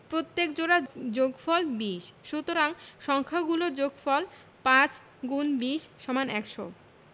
প্রত্যেক জোড়ার যোগফল ২০ সুতরাং সংখ্যা গুলোর যোগফল ৫*২০=১০০